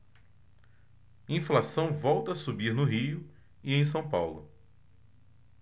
inflação volta a subir no rio e em são paulo